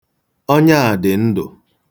Ọnya a dị ndụ.